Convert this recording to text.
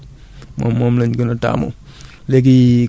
mais daal defar compostière moom la ñu gën a taamu